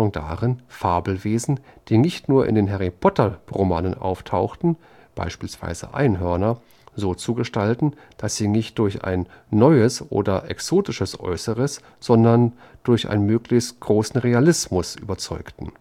darin, Fabelwesen, die nicht nur in den Harry-Potter-Romanen auftauchen – beispielsweise Einhörner –, so zu gestalten, dass sie nicht durch ein „ neues “oder „ exotisches “Äußeres, sondern durch möglichst großen Realismus überzeugten